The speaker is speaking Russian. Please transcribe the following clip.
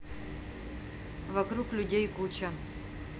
вокруг людей куча